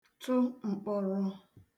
tụ mkpọrọ